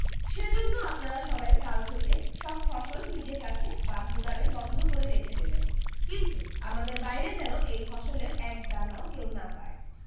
সে জন্য আপনারা সবাই কাল থেকে সব ফসল নিজের কাছে বা গুদামে বন্ধ করে রেখে দেবেন কিন্তু আমাদের বাইরে যেন এই ফসলের এক দানাও কেউ না পায়